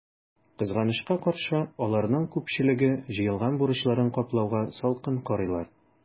Кызганычка каршы, аларның күпчелеге җыелган бурычларын каплауга салкын карыйлар.